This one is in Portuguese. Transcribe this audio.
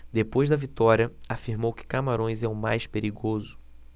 depois da vitória afirmou que camarões é o mais perigoso